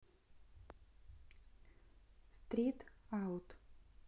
стрит аут